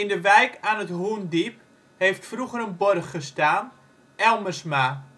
de wijk, aan het Hoendiep, heeft vroeger een borg gestaan: Elmersma